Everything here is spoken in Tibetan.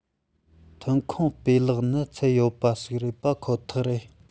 ཐོན ཁུངས སྤུས ལེགས ནི ཚད ཡོད པ ཞིག རེད པ ཁོ ཐག རེད